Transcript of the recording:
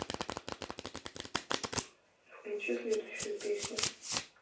включи следующую песню